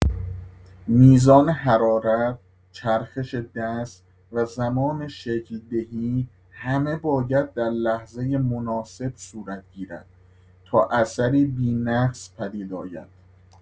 میزان حرارت، چرخش دست و زمان شکل‌دهی همه باید در لحظه مناسب صورت گیرد تا اثری بی‌نقص پدید آید.